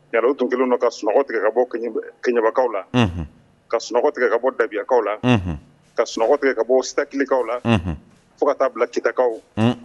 Yali u tun kelen don ka sunɔgɔ tigɛ ka bɔ keɲɛbakaw la ka sunɔgɔ tigɛ ka bɔ dabiyakaw la ka sunɔgɔ tigɛ ka bɔ salikaw la fo ka taa bila kitakaw